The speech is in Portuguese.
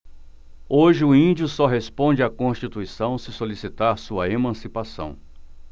hoje o índio só responde à constituição se solicitar sua emancipação